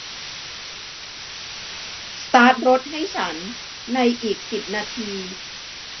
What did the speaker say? สตาร์ทรถให้ฉันในอีกสิบนาที